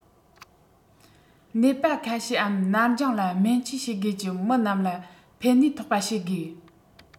ནད པ ཁ ཤས འམ ནར འགྱངས ལ སྨན བཅོས བྱེད དགོས ཀྱི མི རྣམས ལ ཕན ནུས ཐོན པར བྱེད དགོས